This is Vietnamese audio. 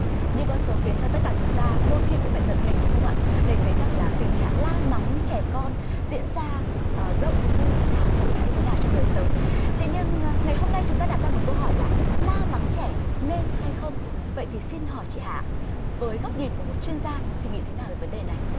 những con số khiến cho tất cả chúng ta đôi khi cũng phải giật mình đúng không ạ để thấy rằng là tình trạng la mắng trẻ con diễn ra rộng như thế nào phổ biến như thế nào trong đời sống thế nhưng ngày hôm nay chúng ta đặt ra một câu hỏi là la mắng trẻ nên hay không vậy thì xin hỏi chị hà ạ với góc nhìn của một chuyên gia chị nghĩ thế nào về vấn đề này